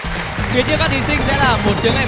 phía trước các thí sinh